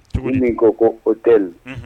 Cokodi Dugu min ko ko hôtel